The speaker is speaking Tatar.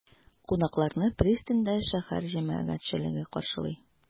Кунакларны пристаньда шәһәр җәмәгатьчелеге каршылый.